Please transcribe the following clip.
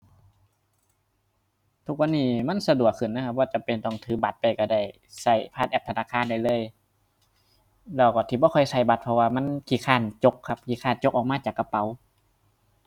ทุกวันนี้มันสะดวกขึ้นนะครับ บ่จำเป็นต้องถือบัตรไปก็ได้ ก็ผ่านแอปธนาคารได้เลย แล้วก็ที่บ่ค่อยก็บัตรก็เพราะว่ามันขี้คร้านจกครับ ขี้คร้านจกออกมาจากกระเป๋า